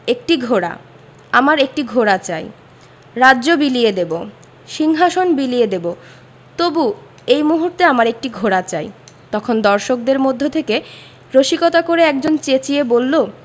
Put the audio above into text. একটি ঘোড়া আমার একটি ঘোড়া চাই রাজ্য বিলিয়ে দেবো সিংহাশন বিলিয়ে দেবো তবু এই মুহূর্তে আমার একটি ঘোড়া চাই – তখন দর্শকদের মধ্য থেকে রসিকতা করে একজন চেঁচিয়ে বললো